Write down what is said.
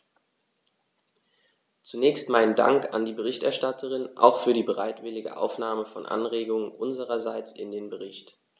Zunächst meinen Dank an die Berichterstatterin, auch für die bereitwillige Aufnahme von Anregungen unsererseits in den Bericht.